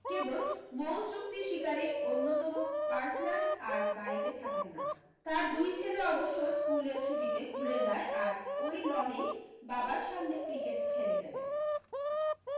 কেবল মৌ চুক্তি শিকারী অন্যতম পার্টনার আর বাড়ীতে থাকেন না তার দুই ছেলে অবশ্য স্কুলের ছুটিতে ঘুরে যায় আর ওই লনেই বাবার সামনে ক্রিকেট খেলেটেলে